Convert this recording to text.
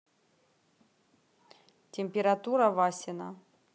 температура васина